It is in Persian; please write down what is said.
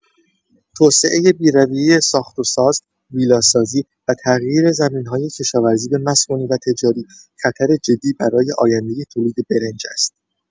توسعه بی‌رویه ساخت‌وساز، ویلاسازی و تغییر زمین‌های کشاورزی به مسکونی و تجاری، خطر جدی برای آینده تولید برنج است.